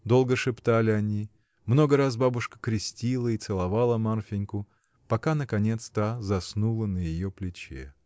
Долго шептали они, много раз бабушка крестила и целовала Марфиньку, пока наконец та заснула на ее плече.